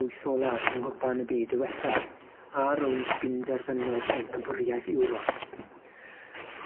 wyth olaf yng nghwpan y byd diwethaf a rownd gynderfynol pencampwriaeth Ewrop.